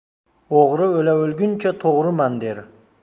o'g'ri o'la o'lguncha to'g'riman der